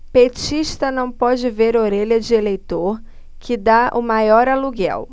petista não pode ver orelha de eleitor que tá o maior aluguel